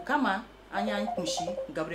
O kama an y'an kun gabi